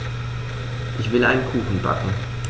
Ich will einen Kuchen backen.